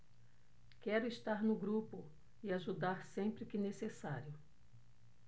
quero estar no grupo e ajudar sempre que necessário